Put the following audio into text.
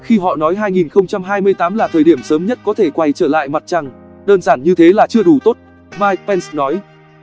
khi họ nói là thời điểm sớm nhất có thể quay trở lại mặt trăng đơn giản như thế là chưa đủ tốt mike pence nói